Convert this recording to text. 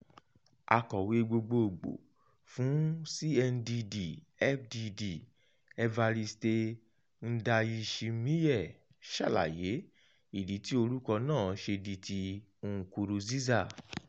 Akọ̀wé gbogboògbò fún CNDD-FDD, Evariste Ndayishimiye ṣàlàyé ìdí tí orúkọ náà ṣe di ti Nkurunziza: